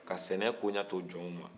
ka sɛnɛ ko ɲew to jɔnw ma